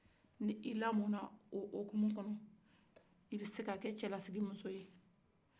ni i la mɔna o u kumu kɔnɔ i bɛ se ka kɛ cɛ la sigimuso ye